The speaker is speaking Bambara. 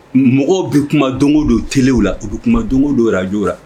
Mɔgɔw bɛ kuma don don tw la u bɛ kuma dɔn dɔw araj